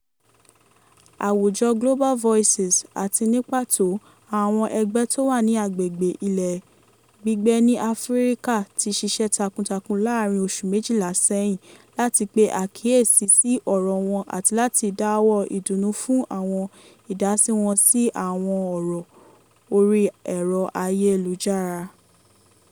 Àwùjọ Global Voices àti ní pàtó, àwọn ẹgbẹ́ tó wà ní agbègbè ilẹ̀ gbígbẹ́ ní Áfíríkà ti ṣiṣẹ́ takuntakun láàárìn oṣù méjìlá ṣẹ́yìn láti pe àkíyèsí sí ọ̀rọ̀ wọn àti láti dáwọ̀ọ́ ìdùnnú fún àwọn ìdásí wọn sí àwọn ọ̀rọ̀ orí ẹ̀rọ ayélujára.